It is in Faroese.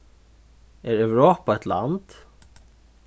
er europa eitt land